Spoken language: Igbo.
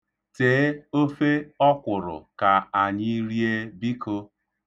Tee ofe ọkwụrụ ka anyị rie, biko.